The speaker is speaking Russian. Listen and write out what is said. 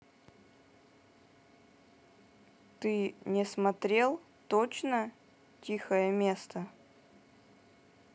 ты не смотрел точно тихое место